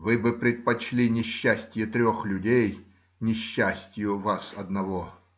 Вы бы предпочли несчастье трех людей несчастью вас одного.